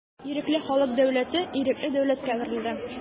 Ирекле халык дәүләте ирекле дәүләткә әверелде.